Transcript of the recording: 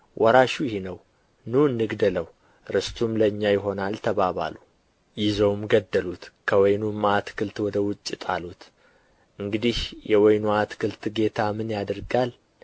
ወራሹ ይህ ነው ኑ እንግደለው ርስቱም ለኛ ይሆናል ተባባሉ ይዘውም ገደሉት ከወይኑም አትክልት ወደ ውጭ ጣሉት እንግዲህ የወይኑ አትክልት ጌታ ምን ያደርጋል